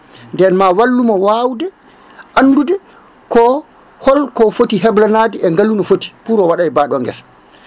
nden ma wallumo wawde abdude ko holko foti heblanade e ngaalu no pour o waɗa e mbaɗo guesa